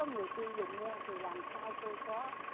người tiêu dùng mua thì làm sao tôi có